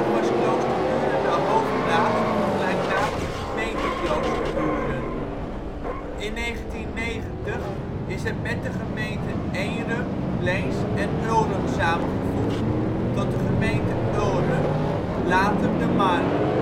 was Kloosterburen de hoofdplaats van de gelijknamige gemeente Kloosterburen. In 1990 is het met de gemeenten Eenrum, Leens en Ulrum samengevoegd tot de gemeente Ulrum, later De Marne